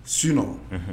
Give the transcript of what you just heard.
Su nɔɔ